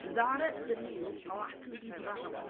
Zara Denise Lackenby-Brown.